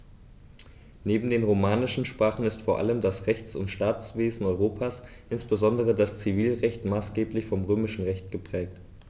Neben den romanischen Sprachen ist vor allem das Rechts- und Staatswesen Europas, insbesondere das Zivilrecht, maßgeblich vom Römischen Recht geprägt.